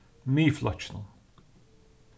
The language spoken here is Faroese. miðflokkinum